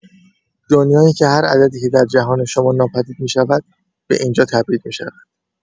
دنیایی که هر عددی که در جهان شما ناپدید می‌شود، به اینجا تبعید می‌شود.